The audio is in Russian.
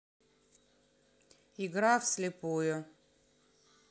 игра в слепую